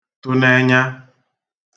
tụ n'ẹnya